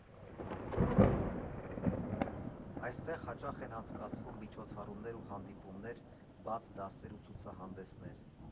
Այստեղ հաճախ են անցկացվում միջոցառումներ ու հանդիպումներ, բաց դասեր ու ցուցահանդեսներ։